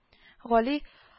Гали